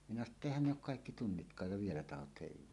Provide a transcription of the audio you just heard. minä sanoin että eihän ne ole kaikki tunnitkaan ja vielä tahdot heivata